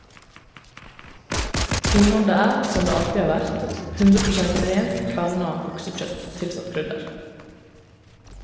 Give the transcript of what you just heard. Innholdet er, som det alltid har vært , hundre prosent rent, kverna oksekjøtt tilsatt krydder.